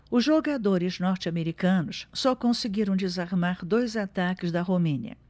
os jogadores norte-americanos só conseguiram desarmar dois ataques da romênia